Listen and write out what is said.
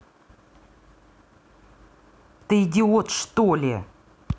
ты идиот что ли